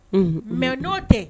Un mɛ n'o tɛ